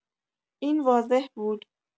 این واضح بود.